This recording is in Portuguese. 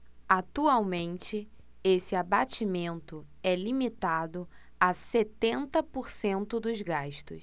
atualmente esse abatimento é limitado a setenta por cento dos gastos